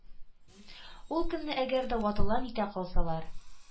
Ул көнне әгәр дә ватыла-нитә калсалар,